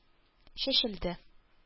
Чәчелде